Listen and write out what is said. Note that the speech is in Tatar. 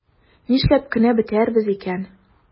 Нишләп кенә бетәрбез икән?